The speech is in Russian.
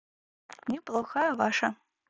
неплохо а ваша